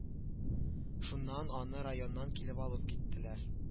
Шуннан аны районнан килеп алып киттеләр